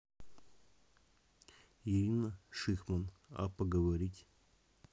ирина шихман а поговорить